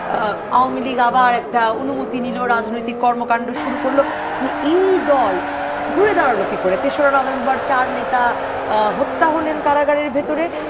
আওয়ামী লীগ আবার একটা অনুমতি নিল রাজনৈতিক কর্মকাণ্ড শুরু করল মানে এই দল ঘুরে দাঁড়ালো কি করে তেশরা নভেম্বর চার নেতা হত্যা হলেন কারাগারের ভেতরে